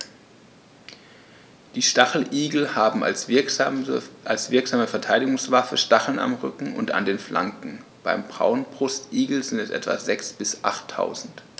Die Stacheligel haben als wirksame Verteidigungswaffe Stacheln am Rücken und an den Flanken (beim Braunbrustigel sind es etwa sechs- bis achttausend).